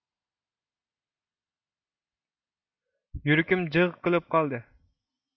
يۈرىكىم جىف قىلىپ قالدى